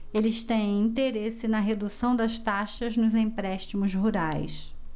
eles têm interesse na redução das taxas nos empréstimos rurais